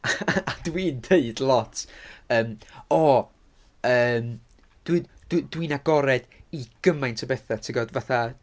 A dwi'n dweud lot ymm "o, ymm, dwi dwi dwi'n agored i gymaint o betha" ti'n gwbod fatha...